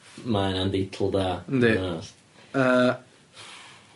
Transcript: Ma' hynna'n deitl da. Yndi. Bod yn onast. Yy